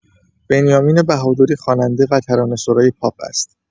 بنیامین بهادری خواننده و ترانه‌سرای پاپ است.